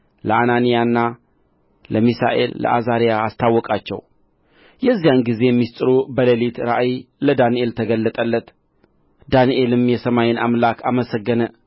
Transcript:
ለአናንያና ለሚሳኤል ለአዛርያ አስታወቃቸው የዚያን ጊዜም ምሥጢሩ በሌሊት ራእይ ለዳንኤል ተገለጠለት ዳንኤልም የሰማይን አምላክ አመሰገነ